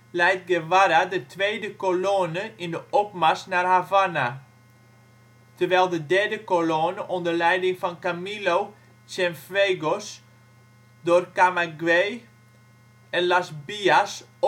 leidt Guevara de tweede colonne in de opmars naar Havana. Terwijl de derde colonne onder leiding van Camilo Cienfuegos door Camagüey en Las Villas optrekt